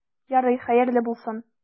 Ярый, хәерле булсын.